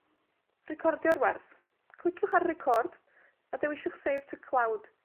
Recordio'r wers. Cliciwch ar Record, a dewiswch Save to Cloud.